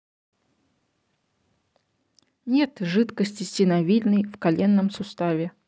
нет жидкости синовиальной в коленном суставе